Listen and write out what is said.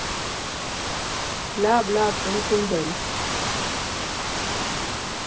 Լավ, լավ, կընդունվեմ։